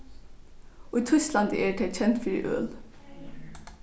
í týsklandi eru tey kend fyri øl